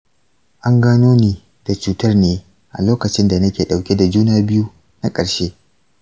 an gano ni da cutar ne a lokacin da nake ɗauke da juna biyu na ƙarshe.